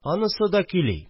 Анысы да көйли